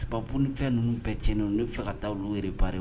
Ni fɛn ninnu bɛɛ cɛnɲɛn n fɛ ka taa olu yɛrɛ baara ye